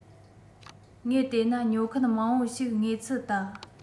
ངས བལྟས ན ཉོ མཁན མང པོ ཞིག ངེས ཚུལ ལྟ